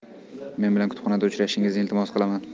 men bilan kutubxonada uchrashingizni iltimos qilaman